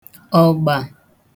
ọ̀gbà